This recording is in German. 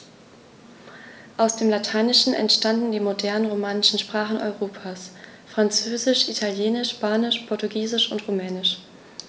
Aus dem Lateinischen entstanden die modernen „romanischen“ Sprachen Europas: Französisch, Italienisch, Spanisch, Portugiesisch und Rumänisch.